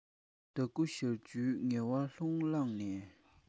ཟླ དགུ ཞག བཅུའི ངལ བ ལྷུར བླངས ནས